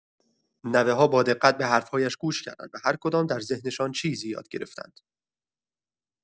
نوه‌ها با دقت به حرف‌هایش گوش کردند و هرکدام در ذهنشان چیزی یاد گرفتند.